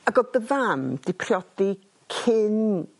Ag o'dd dy fam 'di priodi cyn